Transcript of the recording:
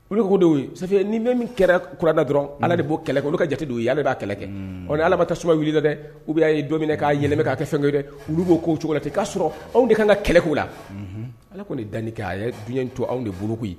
Olu ka ko de ye o ye safɛ ni min kɛra w ye ni bɛ min kɛra kurana dɔrɔn Ala de bɔ kɛlɛ kɛ olu ka jate de y'o ye Ala de b'a kɛlɛ kɛ, o la Alama tasuma wulila dɛ ou bien a dɔ yɛlɛma ka kɛ fɛn wɛrɛ ye dɛ olu b'o k'o cogo la ten kasɔrɔ anw de kan ka kɛlɛ k'o la, unhun, Ala kɔni ye danni kɛ kɛ a ye diɲɛ in de to anw bolo koyi